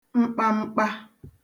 mkpamkpa